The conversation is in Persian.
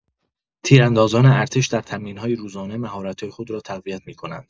تیراندازان ارتش در تمرین‌های روزانه مهارت‌های خود را تقویت می‌کنند.